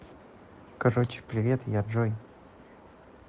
короче привет я джой